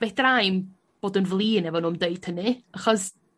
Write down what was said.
fedrai'm bod yn flin efo nw'n deud hynny achos